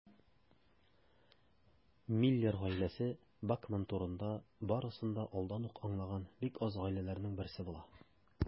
Миллер гаиләсе Бакман турында барысын да алдан ук аңлаган бик аз гаиләләрнең берсе була.